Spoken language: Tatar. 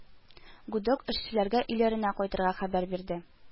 Гудок эшчеләргә өйләренә кайтырга хәбәр бирде